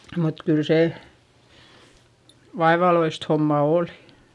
mutta kyllä se vaivalloista hommaa oli